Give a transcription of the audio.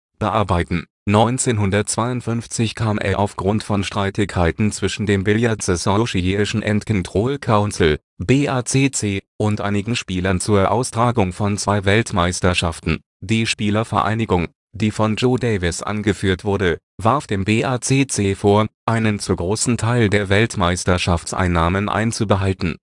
1952 kam es aufgrund von Streitigkeiten zwischen dem Billiards Association and Control Council (BACC) und einigen Spielern zur Austragung von zwei Weltmeisterschaften. Die Spielervereinigung, die von Joe Davis angeführt wurde, warf dem BACC vor, einen zu großen Teil der Weltmeisterschafts-Einnahmen einzubehalten